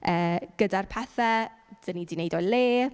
yy, gyda'r pethe dan ni 'di wneud o'i le.